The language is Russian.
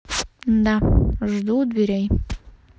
да жду у дверей